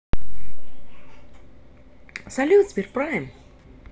салют сберпрайм